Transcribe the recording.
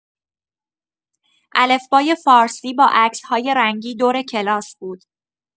الفبای فارسی با عکس‌های رنگی دور کلاس بود.